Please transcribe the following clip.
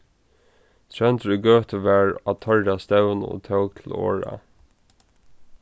tróndur í gøtu var á teirra stevnu og tók til orða